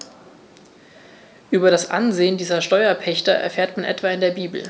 Über das Ansehen dieser Steuerpächter erfährt man etwa in der Bibel.